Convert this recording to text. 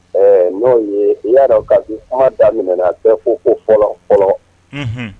Ɛɛ n'o ye i y'a dɔn ka an daminɛna bɛ fɔ ko fɔlɔ fɔlɔ